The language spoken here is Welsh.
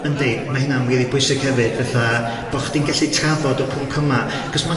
Yndi ma' hynna'n rili bwysig hefyd, fetha bo' chdi'n gallu trafod y pwnc yma 'c'os ma'